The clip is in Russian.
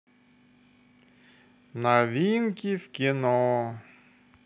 новинки в кино